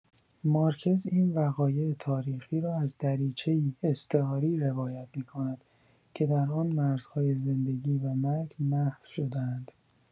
مارکز این وقایع تاریخی را از دریچه‌ای استعاری روایت می‌کند که در آن مرزهای زندگی و مرگ محو شده‌اند.